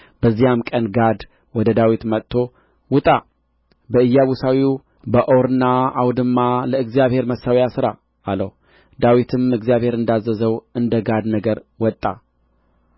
በዚያም ቀን ጋድ ወደ ዳዊት መጥቶ ውጣ በኢያቡሳዊው በኦርና አውድማ ለእግዚአብሔር መሠዊያ ሥራ አለው ዳዊትም እግዚአብሔር እንዳዘዘው እንደ ጋድ ነገር ወጣ